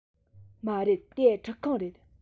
མ རེད དེ ཁྲུད ཁང རེད